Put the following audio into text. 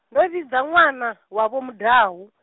ndo vhidza ṅwana, wa Vho Mudau.